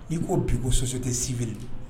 I ko bi, i ko société civile